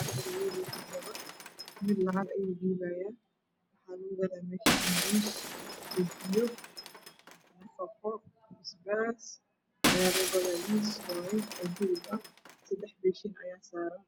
afar wiil iyo hal gabar waxaa lagu gadaa meesha sanbuus iyo bajiyo basbaas miis waaye sadex beeshin ayaa saaran